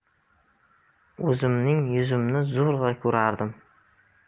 o'zimning yuzimni zo'rg'a ko'rardim